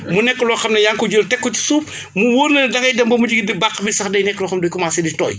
mu nekk loo xam ne yaa ngi ko jël teg ko ci suuf mu wóor la ne dangay dem ba mujj gi di bàq mi sax day nekk loo xam ne mu ngi commencé di tooy